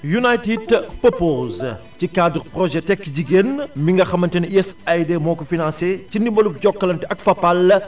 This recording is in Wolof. United Purpose ci cadre projet tekki jigéen mi nga xamante ne USAID moo ko financé ci ndimbalu Jokalante ak Fapal